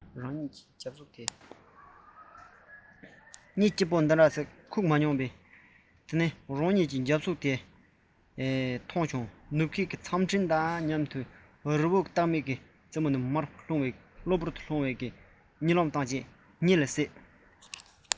གཉིད སྐྱིད པོ འདི འདྲ ཁུག མ མྱོང རྐང གཅིག ཀྱང མ རྙེད པ རང ཉིད ཀྱི རྒྱབ གཟུགས དེ མཐོང བྱུང ནུབ ཁའི མཚམས སྤྲིན དང མཉམ དུ ཡལ རི བོ སྟག མ རྒྱས པའི རྩེ མོ ནས མར ལྷུང སོང གླུ བུར གཉིད ལས སད